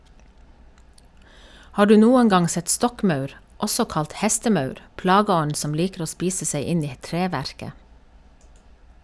Har du noen gang sett stokkmaur, også kalt hestemaur, plageånden som liker å spise seg inn i treverket?